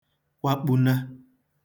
kwakpuna